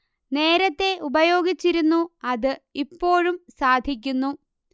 നേരത്തേ ഉപയോഗിച്ചിരുന്നു അത് ഇപ്പോഴും സാധിക്കുന്നു